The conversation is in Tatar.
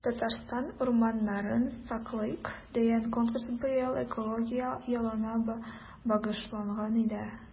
“татарстан урманнарын саклыйк!” дигән конкурс быел экология елына багышланган иде.